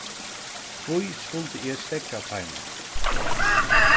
hví skuldi eg steðga teimum